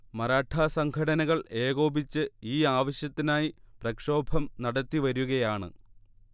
മറാഠാ സംഘടനകൾ ഏകോപിച്ച് ഈ ആവശ്യത്തിനായി പ്രക്ഷോഭം നടത്തിവരികയാണ്